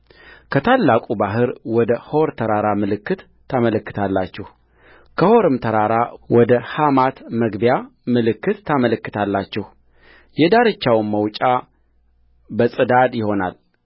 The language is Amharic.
ከታላቁ ባሕር ወደ ሖር ተራራ ምልክት ታመለክታላችሁከሖርም ተራራ ወደ ሐማት መግቢያ ምልክት ታመለክታላችሁ የዳርቻውም መውጫ በጽዳድ ይሆናል